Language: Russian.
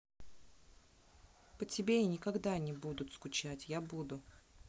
по тебе я никогда не будут скучать я буду